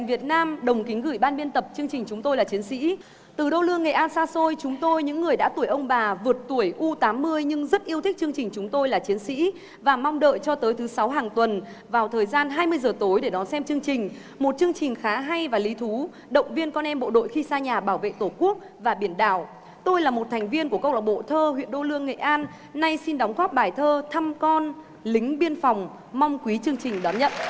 việt nam đồng kính gửi ban biên tập chương trình chúng tôi là chiến sĩ từ đô lương nghệ an xa xôi chúng tôi những người đã tuổi ông bà vượt tuổi u tám mươi nhưng rất yêu thích chương trình chúng tôi là chiến sĩ và mong đợi cho tới thứ sáu hàng tuần vào thời gian hai mươi giờ tối để đón xem chương trình một chương trình khá hay và lý thú động viên con em bộ đội khi xa nhà bảo vệ tổ quốc và biển đảo tôi là một thành viên của câu lạc bộ thơ huyện đô lương nghệ an nay xin đóng góp bài thơ thăm con lính biên phòng mong quý chương trình đón nhận